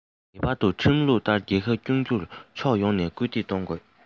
ངེས པར དུ ཁྲིམས ལུགས ལྟར རྒྱལ ཁབ སྐྱོང རྒྱུར ཕྱོགས ཡོངས ནས སྐུལ འདེད གཏོང དགོས